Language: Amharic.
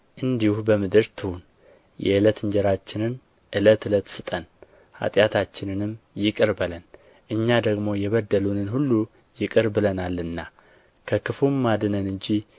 እንዲሁ በምድር ትሁን የዕለት እንጀራችንን ዕለት ዕለት ስጠን ኃጢአታችንንም ይቅር በለን እኛ ደግሞ የበደሉንን ሁሉ ይቅር ብለናልና ከክፉ አድነን እንጂ